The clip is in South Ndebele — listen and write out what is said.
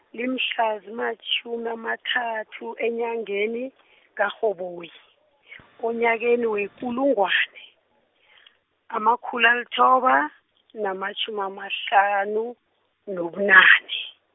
limhla zimatjhumi amathathu enyangeni kaRhoboyi, onyakeni wekulungwane, amakhulu alithoba namatjhumi amahlanu, nobunane.